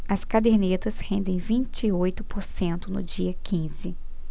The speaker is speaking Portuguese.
as cadernetas rendem vinte e oito por cento no dia quinze